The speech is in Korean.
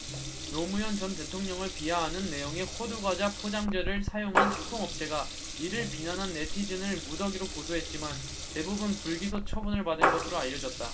노무현 전 대통령을 비하하는 내용의 호두과자 포장재를 사용한 식품업체가 이를 비난한 네티즌을 무더기로 고소했지만 대부분 불기소 처분을 받은 것으로 알려졌다